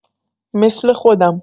مثل خودم